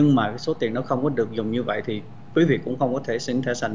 nhưng mà cái số tiền nó không có được dùng như vậy thì quý vị cũng không có thể xin thẻ xanh